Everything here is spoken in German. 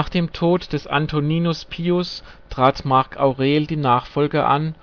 dem Tod des Antoninus Pius trat Marc Aurel die Nachfolge an